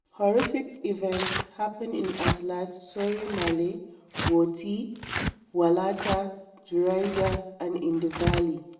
Horrific events happened in Azlatt, Sory Malé, Wothie, Walata, Jreida and in the valley.